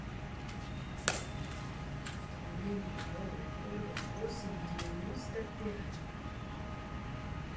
установление мирового рекорда восемь девяносто пять